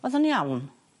O'dd o'n iawn.